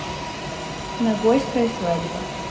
нагойская свадьба